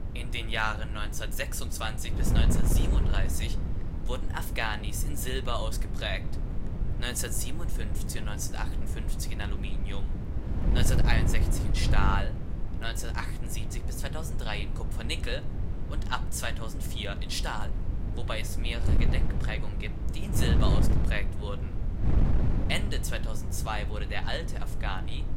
In den Jahren 1926 bis 1937 wurden Afghanis in Silber ausgeprägt, 1957 und 1958 in Aluminium, 1961 in Stahl, 1978 bis 2003 in Kupfer-Nickel und ab 2004 in Stahl, wobei es mehrere Gedenkprägungen gibt, die in Silber ausgeprägt wurden. Ende 2002 wurde der alte Afghani